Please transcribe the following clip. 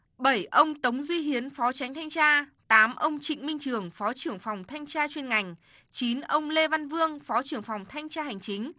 bẩy ông tống duy hiến phó chánh thanh tra tám ông trịnh minh trường phó trưởng phòng thanh tra chuyên ngành chín ông lê văn vương phó trưởng phòng thanh tra hành chính